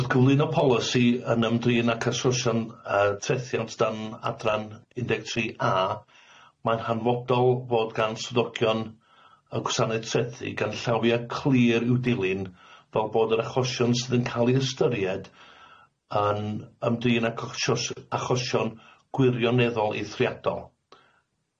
Wrth gyflwyno polisi yn ymdrin ag asorsion yy trethiant dan adran un deg tri a mae'n hanfodol fod gan swyddogion y gwasanaeth trethi ganllawia clir i'w dilyn fel bod yr achosion sydd yn ca'l ei ystyried yn ymdrin ag achos- achosion gwirioneddol eithriadol.